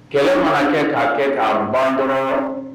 Kɛlɛ mana kɛ k'a kɛ k'ban kɔnɔ